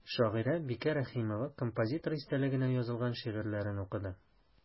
Шагыйрә Бикә Рәхимова композитор истәлегенә язылган шигырьләрен укыды.